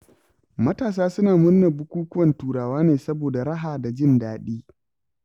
Matasa suna murnar bukukuwan Turawa ne saboda raha da jin daɗi.